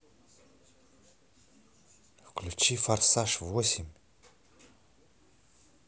включи форсаж восемь